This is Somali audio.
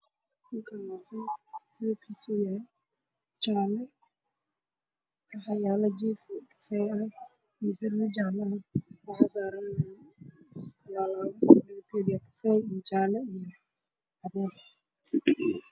Waa sariir oo qaxwi ah qolka daaqadaha way furan yihiin waana qol cadays ah oo jaalle ah